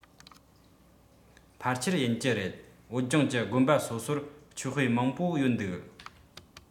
ཕལ ཆེར ཡིན གྱི རེད བོད ལྗོངས ཀྱི དགོན པ སོ སོར ཆོས དཔེ མང པོ ཡོད འདུག